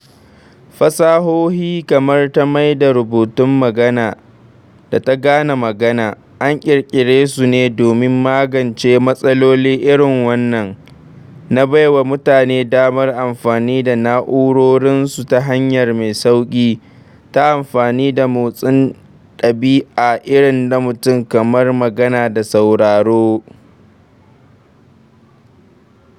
Fasahohi, kamar ta maida-rubutu-magana, da ta gane magana, an ƙirƙira su ne don magance matsaloli irin wannan: na bai wa mutane damar amfani da na’urorinsu ta hanya mai sauƙi, ta amfani da motsin ɗabi’a irin na mutum kamar magana da sauraro.